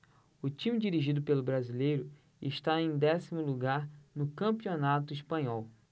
o time dirigido pelo brasileiro está em décimo lugar no campeonato espanhol